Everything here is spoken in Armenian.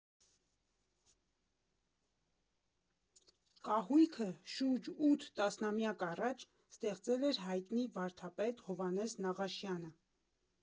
Կահույքը շուրջ ութ տասնմայկա առաջ ստեղծել էր հայնտի վարպետ Հովհաննես Նաղաշյանը։